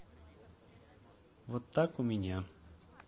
вот так у меня